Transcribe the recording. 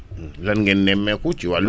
lan ngeen nemmeeku ci wàllu